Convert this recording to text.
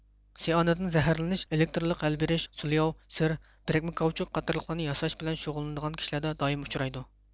سىئانىدىن زەھەرلىنىش ئېلېكترلىك ھەل بېرىش سۇلياۋ سىر بىرىكمە كاۋچۇك قاتارلىقلارنى ياساش بىلەن شۇغۇللىنىدىغان كىشىلەردە دائىم ئۇچرايدۇ